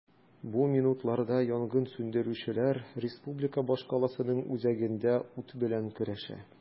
Бу минутларда янгын сүндерүчеләр республика башкаласының үзәгендә ут белән көрәшә.